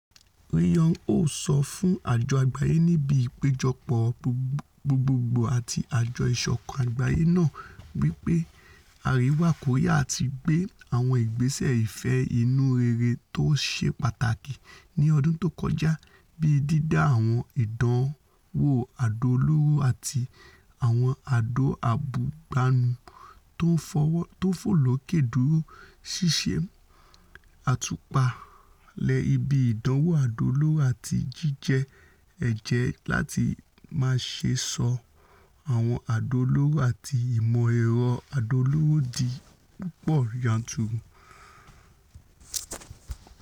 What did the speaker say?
Ri Yong Ho sọ fún àjọ àgbáyé níbi Ìpéjọpọ̀ Gbogbogbòò ti Àjọ Ìṣọ̀kan Àgbáyé náà wí pé Àríwá Kòríà ti gbé ''àwọn ìgbésẹ̀ ìfẹ́ inú rere tóṣe pàtàkì'' ní ọdún tókọjá, bíi dídá àwọn ìdánwò àdó olóró àti àwọn àdó abúgbàmu tóńfòlókè dúró, ṣíṣe àtúpalẹ̀ ibi ìdánwò àdó olóró, àti jíjẹ́ ẹjẹ́ láti máṣe ṣọ àwọn àdó olóró àti ìmọ̀-ẹ̀rọ àdó olóró di púpọ̀ yanturu.